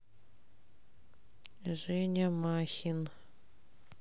женя махин